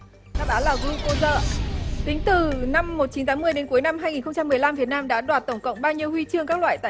đáp án là gờ lu cô dơ ạ tính từ năm một chín tám mươi đến cuối năm hai nghìn không trăm mười lăm việt nam đã đoạt tổng cộng bao nhiêu huy chương các loại tại